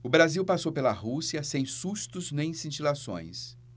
o brasil passou pela rússia sem sustos nem cintilações